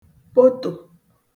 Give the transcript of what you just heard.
potò